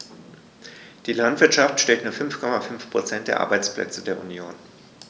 Die Landwirtschaft stellt nur 5,5 % der Arbeitsplätze der Union.